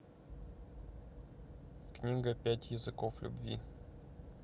книга пять языков любви